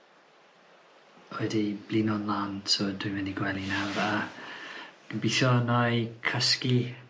wedi blino'n lân so dwi'n mynd i gwely nawr a gobithio na'i cysgu